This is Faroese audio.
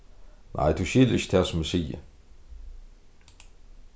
nei tú skilur ikki tað sum eg sigi